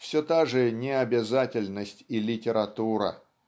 все та же необязательность и литература.